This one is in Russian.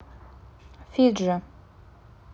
фиджи